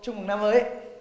chúc mừng năm mới